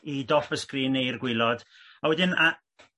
i dop y sgrin neu i'r gwylod a wedyn a